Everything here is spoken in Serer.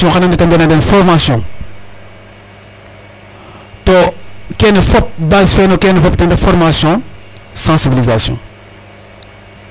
Xan a ndet a mbi'an a den formation to kene fop base fe no kene fop ten ref formation sensiblisation.